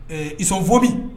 Ɛɛ isɔn fɔbi